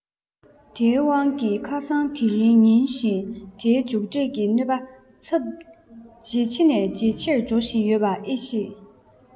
དེའི དབང གིས ཁ སང དེ རིང ཉིན བཞིན དེའི མཇུག འབྲས ཀྱི གནོད པ ཚབས ཇེ ཆེ ནས ཇེ ཆེར འགྲོ བཞིན ཡོད པ ཨེ ཤེས